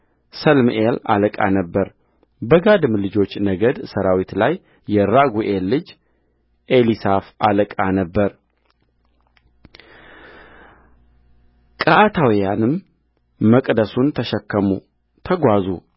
ሰለሚኤል አለቃ ነበረበጋድም ልጆች ነገድ ሠራዊት ላይ የራጉኤል ልጅ ኤሊሳፍ አለቃ ነበረቀዓታውያንም መቅደሱን ተሸክመው ተጓዙ